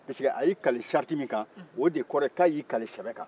pisike a y'i kali sariti min kan o de kɔrɔ ye ka y'i kali sɛbɛ